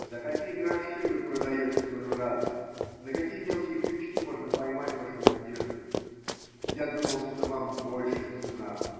за какие гроши вы продаете свою радость, на какие мелкие крючки можно поймать вашу надежду. Я думал, что вам больше цена.